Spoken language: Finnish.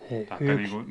tai niin kuin